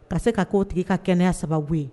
Ka se ka'o tigi ka kɛnɛya sababu ye